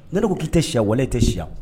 Nedu k'i tɛ siyawale e tɛ siya